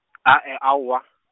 a e aowa.